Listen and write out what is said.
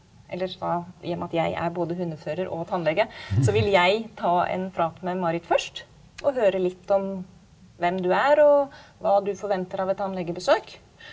eller da i og med at jeg er både hundefører og tannlege så vil jeg ta en prat med Marit først og høre litt om hvem du er og hva du forventer av et tannlegebesøk.